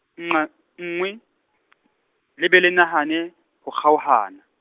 nnqe nngwe , le be le nahane ho kgaohana.